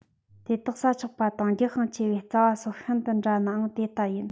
དེ དག ཟ ཆོག པ དང རྒྱགས ཤིང ཆེ བའི རྩ བ སོགས ཤིན ཏུ འདྲ ནའང དེ ལྟ ཡིན